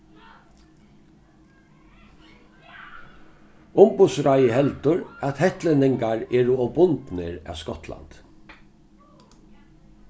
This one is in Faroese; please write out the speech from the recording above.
umboðsráðið heldur at hetlendingar eru ov bundnir at skotlandi